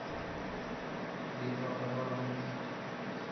битва под воронежем